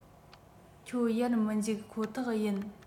ཁྱོད ཡར མི འཇུག ཁོ ཐག ཡིན